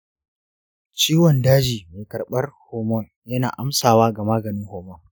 ciwon daji mai karbar hormone yana amsawa ga maganin hormone.